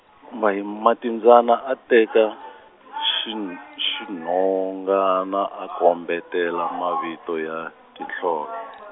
May- Matibyana a teka xin- xinhongana a kombetela mavito ya tinhlolo.